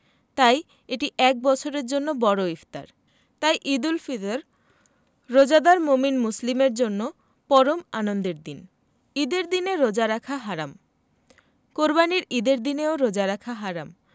তাই এটি এক বছরের জন্য বড় ইফতার তাই ঈদুল ফিতর রোজাদার মোমিন মুসলিমের জন্য পরম আনন্দের দিন ঈদের দিনে রোজা রাখা হারাম কোরবানির ঈদের দিনেও রোজা রাখা হারাম